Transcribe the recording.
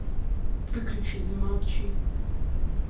выключись замолчи